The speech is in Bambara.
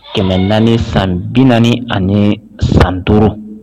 400 San 40 ani San 5.